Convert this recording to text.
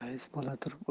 rais bo'la turib